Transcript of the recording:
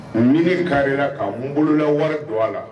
Mi kari ka mun bolola wari don a la